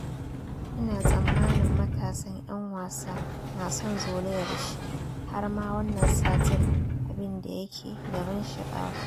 "Ina tsammanin matasan ‘yan wasa na son zolayar shi, har ma, wannan satin, abin da yake da ban sha'awa.